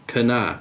Cynna?